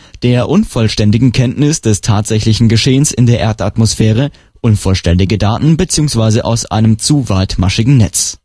der unvollständigen Kenntnis des tatsächlichen Geschehens in der Erdatmosphäre (unvollständige Daten bzw. aus einem zu weitmaschigen Netz